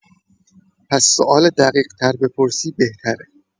پس سوال دقیق‌تر بپرسی بهتره